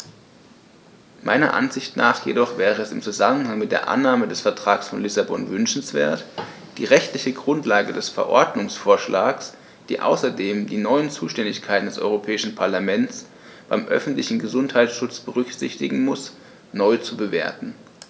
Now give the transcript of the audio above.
Meiner Ansicht nach jedoch wäre es im Zusammenhang mit der Annahme des Vertrags von Lissabon wünschenswert, die rechtliche Grundlage des Verordnungsvorschlags, die außerdem die neuen Zuständigkeiten des Europäischen Parlaments beim öffentlichen Gesundheitsschutz berücksichtigen muss, neu zu bewerten.